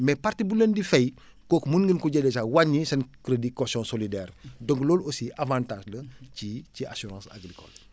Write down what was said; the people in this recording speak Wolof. mais partie bu leen di fay kooku mun ngeen ko jël dèjà wàññi seen crédit caution solidaire donc loolu aussi avantage la ci ci assurance agricole